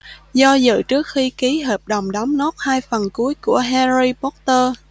do dự trước khi ký hợp đồng đóng nốt hai phần cuối của harry potter